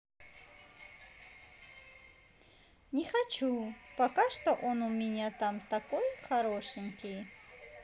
не хочу пока что он у меня там такой хорошенький